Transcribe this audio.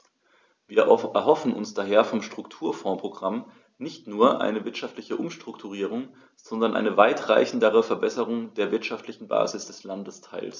Wir erhoffen uns daher vom Strukturfondsprogramm nicht nur eine wirtschaftliche Umstrukturierung, sondern eine weitreichendere Verbesserung der wirtschaftlichen Basis des Landesteils.